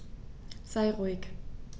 Sei ruhig.